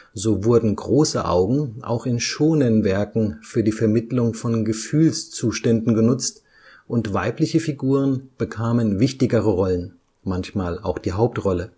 So wurden große Augen auch in Shōnen-Werken für die Vermittlung von Gefühlszuständen genutzt und weibliche Figuren bekamen wichtigere Rollen, manchmal auch die Hauptrolle